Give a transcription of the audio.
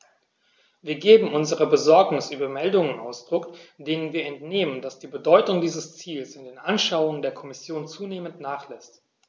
Wir geben unserer Besorgnis über Meldungen Ausdruck, denen wir entnehmen, dass die Bedeutung dieses Ziels in den Anschauungen der Kommission zunehmend nachlässt.